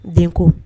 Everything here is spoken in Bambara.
Den ko